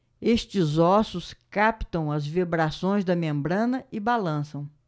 estes ossos captam as vibrações da membrana e balançam